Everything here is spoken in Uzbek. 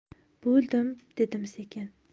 bo'ldim dedim sekin